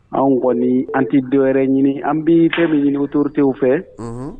Anw kɔni an tɛ dɔw wɛrɛ ɲini an bi fɛn min ɲini otorotew fɛ